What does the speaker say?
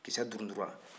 kisɛ duruntula